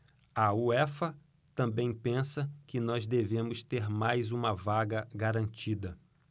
a uefa também pensa que nós devemos ter mais uma vaga garantida